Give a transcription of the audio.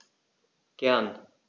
Gern.